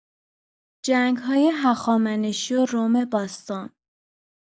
جنگ‌های هخامنشی و روم باستان